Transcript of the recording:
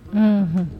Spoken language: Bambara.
Unhun